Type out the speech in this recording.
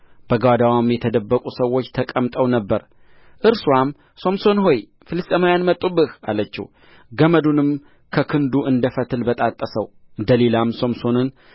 በጓዳዋም የተደበቁ ሰዎች ተቀምጠው ነበር እርስዋም ሶምሶን ሆይ ፍልስጥኤማውያን መጡብህ አለችው ገመዱንም ከክንዱ እንደ ፈትል በጣጠሰው ደሊላም ሶምሶንን